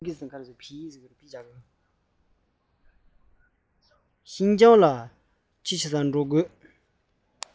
ཤིན ཅང ལ ག རེ གནང ག ཕེབས འགྲོ ག ཀ